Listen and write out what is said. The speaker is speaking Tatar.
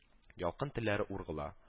Ялкын телләре ургыла